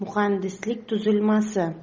muhandislik tuzilmasi